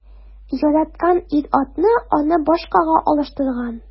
Яраткан ир-аты аны башкага алыштырган.